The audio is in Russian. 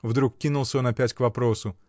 — вдруг кинулся он опять к вопросу.